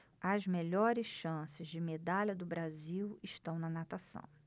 as melhores chances de medalha do brasil estão na natação